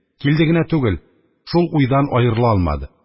Килде генә түгел, шул уйдан аерыла алмады.